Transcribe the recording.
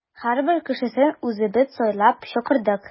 Һәрбер кешесен үзебез сайлап чакырдык.